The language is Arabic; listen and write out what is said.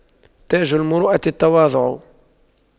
تاج المروءة التواضع